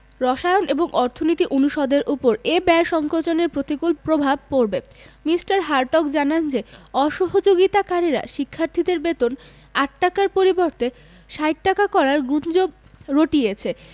রসায়ন এবং অর্থনীতি অনুষদের ওপর এ ব্যয় সংকোচনের প্রতিকূল প্রভাব পড়বে মি. হার্টগ জানান যে অসহযোগিতাকারীরা শিক্ষার্থীদের বেতন ৮ টাকার পরিবর্তে ৬০ টাকা করার গুজব রটিয়েছে